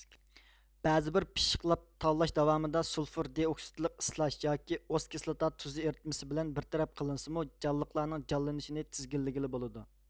بەزىبىر پىششىقلاپ تاۋلاش داۋامىدا سۇلفۇر دىئوكسىدلىق ئىسلاش ياكى ئوس كىسلاتا تۇزى ئېرىتمىسى بىلەن بىر تەرەپ قىلىنسىمۇ جانلىقلارنىڭ جانلىنىشىنى تىزگىنلىگىلى بولىدۇ